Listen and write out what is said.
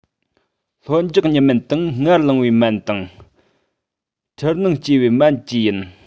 ལྷོད འཇགས གཉིད སྨན དང ངར ལངས པའི སྨན དང འཁྲུལ སྣང སྐྱེ བའི སྨན བཅས ཡིན